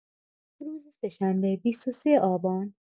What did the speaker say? روز سه‌شنبه ۲۳ آبان